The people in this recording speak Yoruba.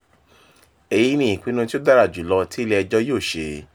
"Èyí ni ìpinnu tí ó dára jù lọ tí ilé-ẹjọ́ yóò ṣe"